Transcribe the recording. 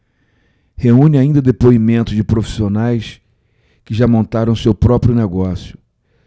reúne ainda depoimentos de profissionais que já montaram seu próprio negócio